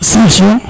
sanction